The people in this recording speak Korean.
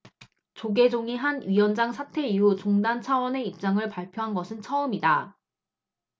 조계종이 한 위원장 사태 이후 종단 차원의 입장을 발표한 것은 처음이다